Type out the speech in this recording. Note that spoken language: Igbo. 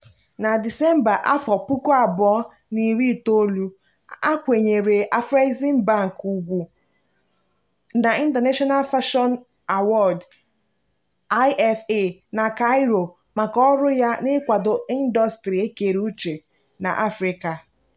Na Disemba 2019, a kwanyere Afreximbank ugwu na International Fashion Awards (IFA) na Cairo maka ọrụ ya n'ịkwado ndọstrị ekere uche n'Africa.